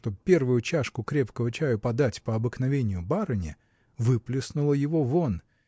чтоб первую чашку крепкого чаю подать по обыкновению барыне выплеснула его вон